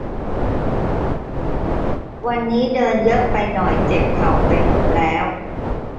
วันนี้เดินเยอะไปหน่อยเจ็บเข่าไปหมดแล้ว